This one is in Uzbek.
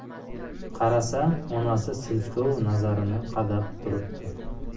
qarasa onasi sinchkov nazarini qadab turibdi